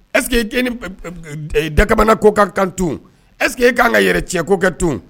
Ɛseke dakamana ko ka kan ɛssekee k' kan ka yɛrɛ tiɲɛ ko kɛ tun